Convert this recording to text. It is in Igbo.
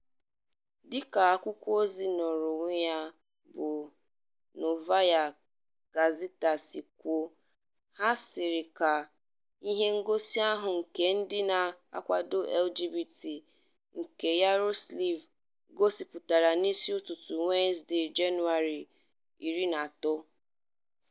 Dịka akwụkwọozi nọọrọ onwe ya bụ Novaya Gazeta si kwuo, a haziri ka ihe ngosi ahụ nke ndị na-akwado LGBT nke Yaroslavl gosipụta n'isi ụtụtụ Wenezdee, Jenụwarị 23.